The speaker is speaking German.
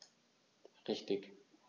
Richtig